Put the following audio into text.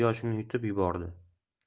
yoshini yutib yubordi